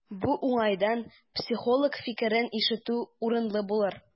Бу уңайдан психолог фикерен ишетү урынлы булыр.